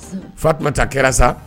Unhun. Fatumata kɛra sa